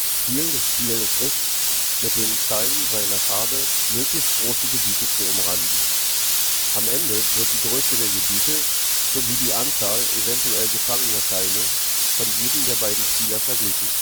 Ziel des Spiels ist es, mit den Steinen seiner Farbe möglichst große Gebiete zu umranden. Am Ende wird die Größe der Gebiete sowie die Anzahl eventuell gefangener Steine von jedem der beiden Spieler verglichen